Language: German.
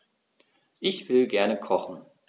Ich will gerne kochen.